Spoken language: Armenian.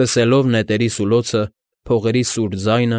Լսելով նետերի սուլոցը, փողերի սուր ձայնը՝